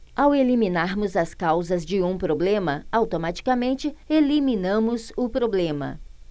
ao eliminarmos as causas de um problema automaticamente eliminamos o problema